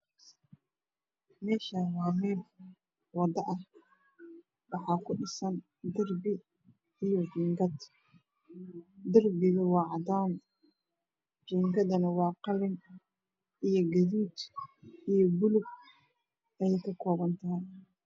Meeshaan waa meel wado ah waxaa ku dhisan darbi iyo jiingad darbiga waa cadaan jiingadana waa qalin iyo gaduud iyo buluug ayey ka koobantahay